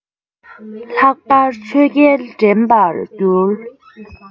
ལྷག པར ཆོས རྒྱལ དྲན པར འགྱུར